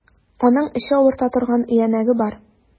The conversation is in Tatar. Аның эче авырта торган өянәге бар.